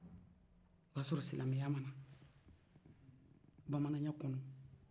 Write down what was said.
o y'a sɔrɔ silamɛya ma na bamananya kɔnɔ